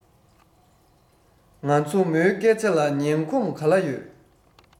ང ཚོ མོའི སྐད ཆ ལ ཉན ཁོམ ག ལ ཡོད